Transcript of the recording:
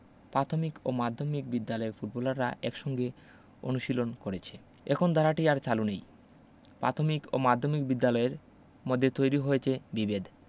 পাথমিক ও মাধ্যমিক বিদ্যালয়ের ফুটবলাররা একসঙ্গে অনুশীলন করেছে এখন ধারাটি আর চালু নেই পাথমিক ও মাধ্যমিক বিদ্যালয়ের মধ্যে তৈরি হয়েছে বিবেদ